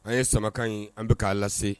An ye samakan ye an bɛ k'a lase